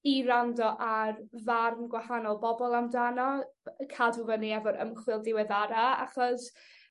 i wrando ar farn gwahanol bobol amdano by- yy cadw fyny efo'r ymchwil diweddara achos